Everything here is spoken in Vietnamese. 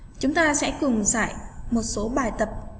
chúng ta sẽ cùng giải một số bài tập